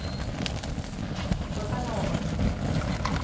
баканова